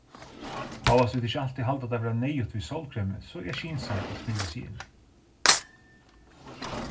hóast vit ikki altíð halda tað vera neyðugt við sólkremi er skynsamt at smyrja seg inn